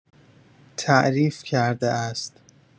تعریف کرده است